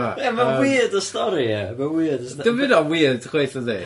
...yma. Yym. Ie ma'n weird y stori ie, ma'n weird y stori. Dim byd o'n weird chwaith yndi?